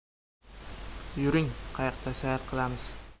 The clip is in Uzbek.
yuring qayiqda sayr qilamiz